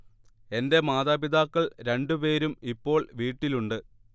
എന്റെ മാതാപിതാക്കൾ രണ്ടുപേരും ഇപ്പോൾ വീട്ടിലുണ്ട്